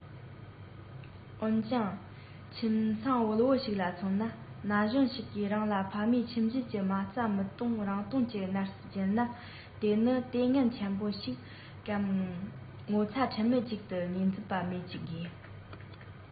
འོན ཀྱང ཁྱིམ ཚང དབུལ པོ ཞིག ལ མཚོན ན ན གཞོན ཞིག གིས རང ལ ཕ མའི ཁྱིམ གཞིས ཀྱི མ རྩ མི གཏོང རང གཏོང གི གནས སུ སྦྱར ན དེ ནི ལྟས ངན འཁྱམས པོ ཞིག གམ ངོ ཚ ཁྲེལ མེད ཅིག ཏུ ངོས འཛིན པ སྨོས ཅི དགོས